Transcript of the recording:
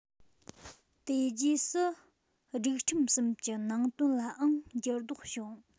དེ རྗེས སུ སྒྲིག ཁྲིམས གསུམ གྱི ནང དོན ལའང འགྱུར ལྡོག བྱུང